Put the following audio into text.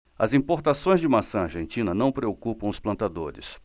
as importações de maçã argentina não preocupam os plantadores